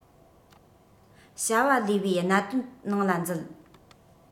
བྱ བ ལས པའི གནད ཐོག ནང ལ འཛུལ